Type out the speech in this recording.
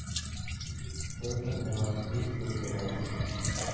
lekin ular qiy chuv ko'tarishibdi